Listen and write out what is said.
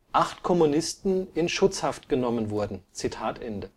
8 Kommunisten in Schutzhaft genommen “wurden. Elf